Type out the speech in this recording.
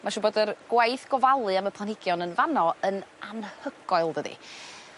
Ma' siŵr bod yr gwaith gofalu am y planhigion yn fan 'no yn anhygoel dydi?